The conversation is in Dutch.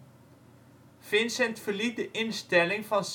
Vincent verliet de instelling van Saint-Rémy-de-Provence